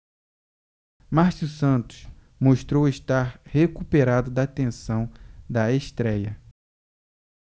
márcio santos mostrou estar recuperado da tensão da estréia